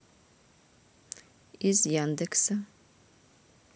из яндекса